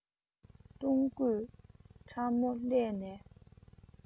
སྟོང སྐུད ཕྲ མོ བསླས ནས